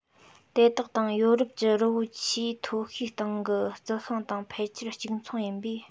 དེ དག དང ཡོ རོབ ཀྱི རི བོ ཆེས མཐོ ཤོས སྟེང གི རྩི ཤིང དང ཕལ ཆེར གཅིག མཚུངས ཡིན པས